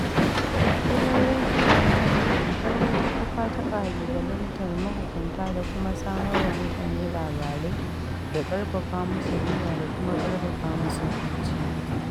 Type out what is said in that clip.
Gidan rediyo ya zama tamkar wata kafa ta ƙalubalantar mahukunta da kuma samar wa mutane labarai da ƙarfafa musu gwiwa da kuma ƙarfafa musu zuciya.